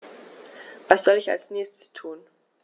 Was soll ich als Nächstes tun?